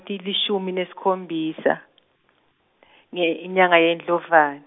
tilishumi nesikhombisa, ne ngenyanga yeNdlovana.